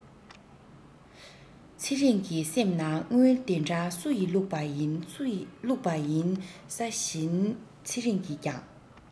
ཚེ རིང གི སེམས ནང དངུལ འདི འདྲ སུ ཡི བླུག པ ཡིན བླུག པ ཡིན ས བཞིན ཚེ རིང གིས ཀྱང